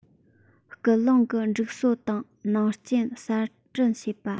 སྐུལ སློང གི སྒྲིག སྲོལ དང ནང རྐྱེན གསར སྐྲུན བྱེད པ